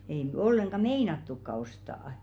ei nyt ollenkaan meinattukaan ostaa